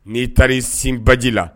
N'i taara sin baji la